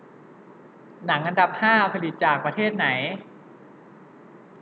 หนังอันดับห้าผลิตจากประเทศไหน